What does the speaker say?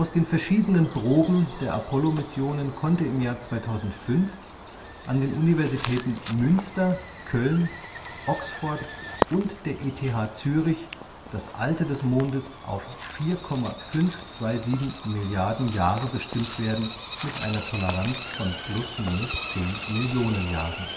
den verschiedenen Proben der Apollo-Missionen konnte im Jahr 2005 an den Universitäten Münster, Köln, Oxford und der ETH Zürich das Alter des Mondes auf 4,527 Milliarden (± 10 Millionen) Jahre bestimmt werden. Die Probenentnahme